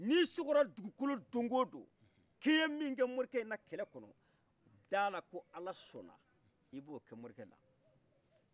ni sokora dugukolo donkodon k'i ye min kɛ morikai la kɛlɛ kɔnɔ dala ko ala sonna ibo kɛ morikɛ la